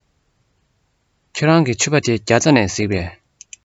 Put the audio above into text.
ཁྱེད རང གི ཕྱུ པ དེ རྒྱ ཚ ནས གཟིགས པས